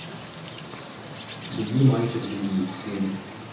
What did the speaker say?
беги мальчик беги фильм